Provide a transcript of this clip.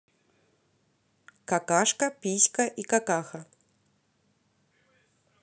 какашка писька и какаха